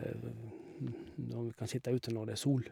Når vi kan sitte ute når det er sol.